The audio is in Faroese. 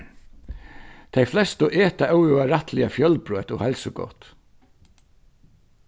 tey flestu eta óivað rættiliga fjølbroytt og heilsugott